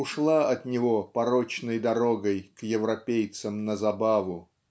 ушла от него порочной дорогой к европейцам на забаву